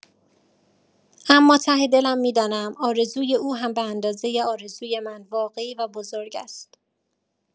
اما ته دلم می‌دانم آرزوی او هم به‌اندازه آرزوی من واقعی و بزرگ است.